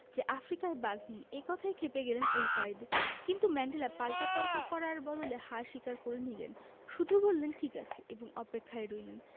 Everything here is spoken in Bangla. যে আফ্রিকায় বাঘ নেই এ কথায় খেপে গেলেন ওই কয়েদি কিন্তু ম্যান্ডেলা পাল্টা তর্ক করার বদলে হার স্বীকার করে নিলেন শুধু বললেন ঠিক আছে এবং অপেক্ষায় রইলেন